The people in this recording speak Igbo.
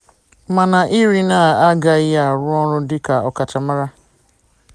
Mana Irina agaghị arụ ọrụ dịka ọkachamara.